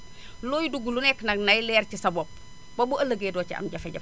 looy dugg lu nekk nag nay leer ci sa bopp ba bu ëllëgee doo ci am jafe-jafe